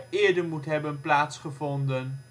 eerder moet hebben plaatsgevonden